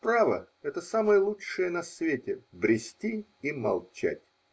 Право, это самое лучшее на свете: брести и молчать.